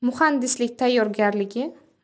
muhandislik tayyorgarligi